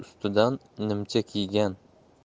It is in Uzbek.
ustidan nimcha kiygan